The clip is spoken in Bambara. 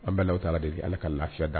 An bɛɛ law taa ala de ala ka lafiya da